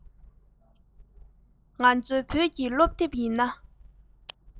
ང ཚོའི བོད ཀྱི སློབ དེབ ཡིན ན